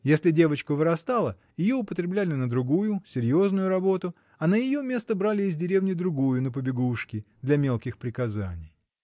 Если девочка вырастала, ее употребляли на другую, серьезную работу, а на ее место брали из деревни другую, на побегушки, для мелких приказаний.